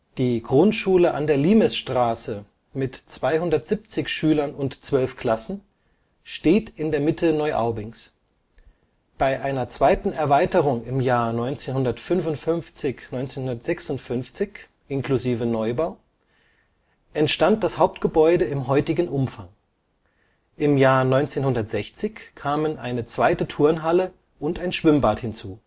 Die Grundschule an der Limesstraße (270/12) steht in der Mitte Neuaubings. Bei einer zweiten Erweiterung 1955 / 56 (Neubau) entstand das Hauptgebäude im heutigen Umfang. Im Jahr 1960 kamen eine zweite Turnhalle und ein Schwimmbad hinzu